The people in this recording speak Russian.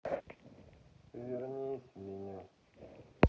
вернись в меню